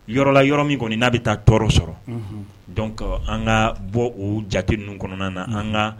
Yɔrɔla yɔrɔ min kɔni n'a bɛ taa tɔɔrɔ sɔrɔ an ka bɔ o jate ninnu kɔnɔna na an ka